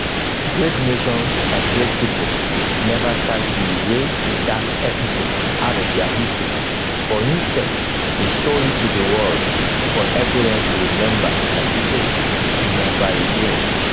Great nations and great people never try to erase a dark episode out of their history but instead they show it to the world for everyone to remember and say "NEVER AGAIN".